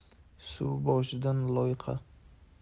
suv boshidan loyqa